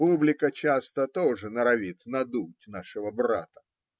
Публика часто тоже норовит надуть нашего брата.